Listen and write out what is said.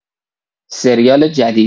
سریال جدید